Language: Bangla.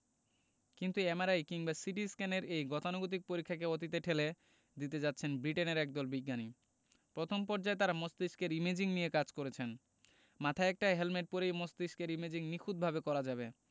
কিন্তু এমআরআই কিংবা সিটিস্ক্যানের এই গতানুগতিক পরীক্ষাকে অতীতে ঠেলে দিতে যাচ্ছেন ব্রিটেনের একদল বিজ্ঞানী প্রথম পর্যায়ে তারা মস্তিষ্কের ইমেজিং নিয়ে কাজ করেছেন মাথায় একটা হেলমেট পরেই মস্তিষ্কের ইমেজিং নিখুঁতভাবে করা যাবে